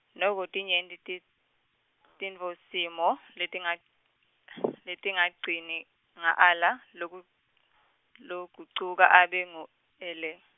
noko tinyenti ti- tintfosimo, letinga- letingagcini, nga ala, loku, logucuka abe ngu, ele.